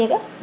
a jega